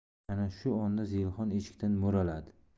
ana shu onda zelixon eshikdan mo'raladi